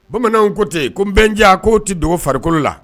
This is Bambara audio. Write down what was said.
Bamananw kote yen ko n bɛn nja k'o tɛ dogo farikolo la